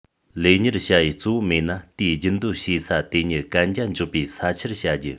ལས གཉེར བྱ ཡུལ གཙོ བོ མེད ན དེའི རྒྱུན སྡོད བྱེད ས དེ ཉིད གན རྒྱ འཇོག པའི ས ཆར བྱ རྒྱུ